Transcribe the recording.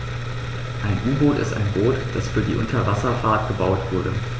Ein U-Boot ist ein Boot, das für die Unterwasserfahrt gebaut wurde.